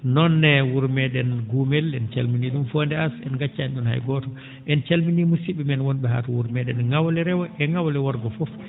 noon ne wuro mee?en Gumel en calminii Fond& Assa en ngaccaani ?oon hay gooto en calminii musid?e men won?e haa to wuro mee?en ?awle Rewo e ?awle Worgo fof